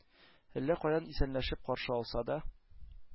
Әллә каян исәнләшеп каршы алса да,